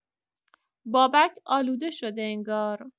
بابک آلوده شده انگار.